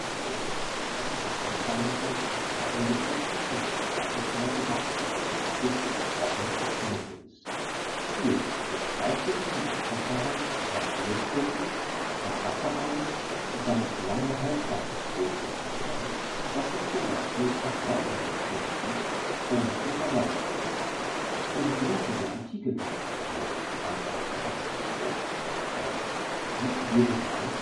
Weißbrot), das zur Haltbarmachung in Scheiben geschnitten und ein zweites Mal gebacken wird, bis es trocken und mürbe ist. Ziel des zweistufigen Backverfahrens war ursprünglich, ein wasserarmes und damit lange haltbares Brot herzustellen, das sich z. B. auf Reisen mitführen ließ ohne zu verderben. Schon die Griechen der Antike kannten ein solches zweimal gebackenes Brot als dipyritai